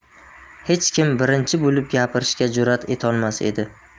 hech kim birinchi bo'lib gapirishga jurat etolmas edi